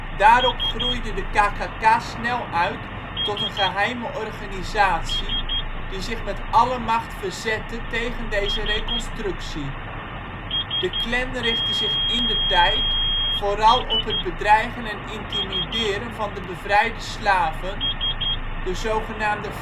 Daarop groeide de KKK snel uit tot een geheime organisatie die zich met alle macht verzette tegen deze Reconstructie. De Klan richtte zich indertijd vooral op het bedreigen en intimideren van de ' bevrijde slaven ', de zogenaamde